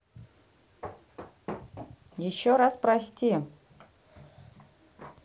еще раз прости